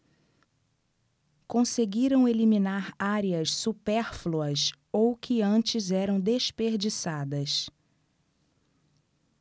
conseguiram eliminar áreas supérfluas ou que antes eram desperdiçadas